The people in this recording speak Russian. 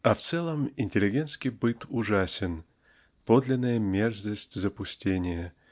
А в целом интеллигентский быт ужасен, подлинная мерзость запустения